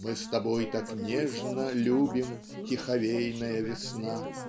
"Мы с тобой так нежно любим, тиховейная весна".